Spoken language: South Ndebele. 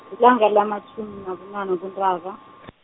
lilanga lamatjhumi nobunane kuNtaka .